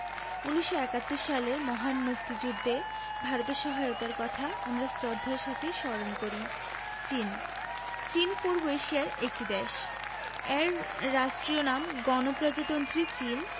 ১৯৭১ সালের মহান মুক্তিযুদ্ধে ভারতের সহায়তার কথা আমরা শ্রদ্ধার সাথে স্মরণ করি চীনঃ চীন পূর্ব এশিয়ার একটি দেশ এর রাষ্ট্রীয় নাম গণপ্রজাতন্ত্রী চীন